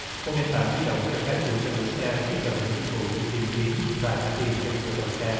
một nền tảng di động cho phép chủ sở hữu xe tiếp cận những dịch vụ như tìm kiếm và trả tiền cho một chỗ đậu xe